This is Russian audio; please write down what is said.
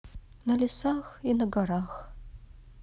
на лесах и на горах